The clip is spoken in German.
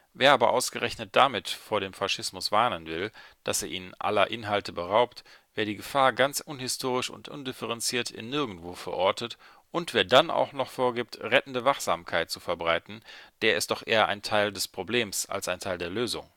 Wer aber ausgerechnet damit vor dem Faschismus warnen will, dass er ihn aller Inhalte beraubt; wer die Gefahr ganz unhistorisch und undifferenziert in Nirgendwo verortet; und wer dann auch noch vorgibt, rettende Wachsamkeit zu verbreiten – der ist doch eher ein Teil des Problems als ein Teil der Lösung